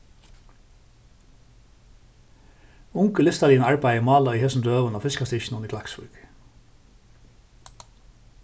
ung í listarligum arbeiði mála í hesum døgum á fiskastykkinum í klaksvík